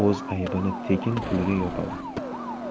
o'z aybini tekin pulga yopadi